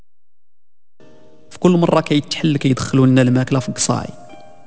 كل مره كيوت حلك يدخلون لما اكلمك صاحي